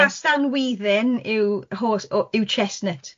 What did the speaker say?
Castanwydden yw hors- o- yw chestnut.